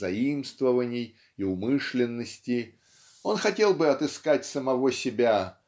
заимствований и умышленности он хотел бы отыскать самого себя